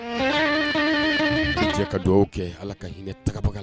Ka dugawu kɛ ala ka hinɛ